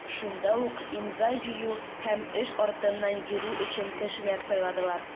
Шунда ук имза җыю һәм эш артыннан йөрү өчен кешеләр сайладылар.